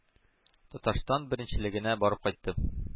Татарстан беренчелегенә барып кайтты.